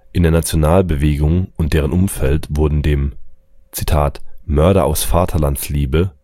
In der Nationalbewegung und deren Umfeld wurden dem „ Mörder aus Vaterlandsliebe